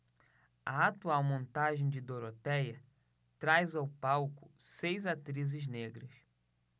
a atual montagem de dorotéia traz ao palco seis atrizes negras